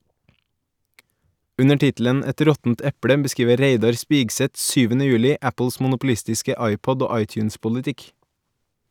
Under tittelen "Et råttent eple" beskriver Reidar Spigseth 7. juli Apples monopolistiske iPod- og iTunes-politikk.